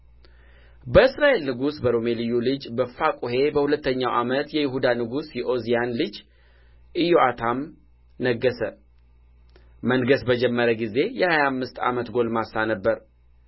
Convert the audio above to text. በእስራኤል ንጉሥ በሮሜልዩ ልጅ በፋቁሔ በሁለተኛው ዓመት የይሁዳ ንጉሥ የዖዝያን ልጅ ኢዮአታም ነገሠ መንገሥ በጀመረ ጊዜ የሀያ አምስት ዓመት ጕልማሳ ነበረ